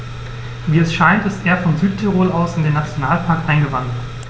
Wie es scheint, ist er von Südtirol aus in den Nationalpark eingewandert.